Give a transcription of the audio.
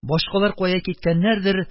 Башкалар кая киткәннәрдер,